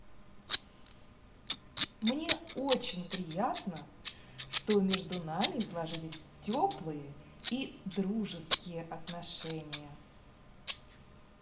мне очень приятно что между нами сложились теплые и дружеские отношения